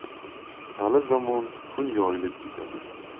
hali zamon kun yoyilib ketadi